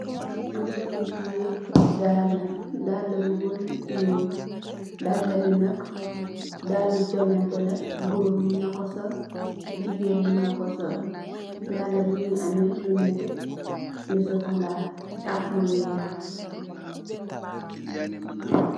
Am nah xo teeye ndalla ndalla bou barri color dalla bi nak dalla bi nak dalli njongantekay la gor muna ko sol jegueen munako sol dalla bi mougui ammeh sokola am lou neteh ak lou weck.